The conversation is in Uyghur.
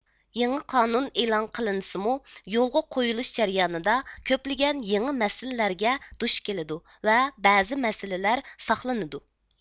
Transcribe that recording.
يېڭى قانۇن ئېلان قىلىنسىمۇ يولغا قويۇلۇش جەريانىدا كۆپلىگەن يېڭى مەسىلىلەرگە دۈچ كېلىدۇ ۋە بەزى مەسىلىلەر ساقلىنىدۇ